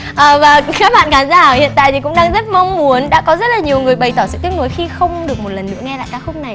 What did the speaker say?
à và các bạn khán giả hiện tại thì cũng đang rất mong muốn đã có rất là nhiều người bày tỏ sự tiếc nuối khi không được một lần nữa nghe lại ca khúc này